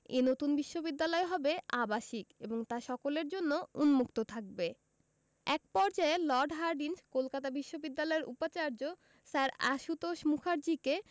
এ নতুন বিশ্ববিদ্যালয় হবে আবাসিক এবং তা সকলের জন্য উন্মুক্ত থাকবে এক পর্যায়ে লর্ড হার্ডিঞ্জ কলকাতা বিশ্ববিদ্যালয়ের উপাচার্য স্যার আশুতোষ মুখার্জীকে